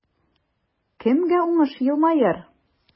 Кемгә уңыш елмаер?